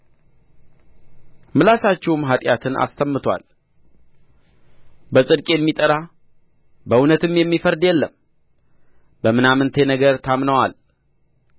ምላሳችሁም ኃጢአትን አሰምቶአል በጽድቅ የሚጠራ በእውነትም የሚፈርድ የለም በምናምንቴ ነገር ታምነዋል